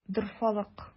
Дорфалык!